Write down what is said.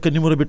dëgg la